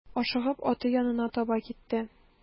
Ашыгып аты янына таба китте.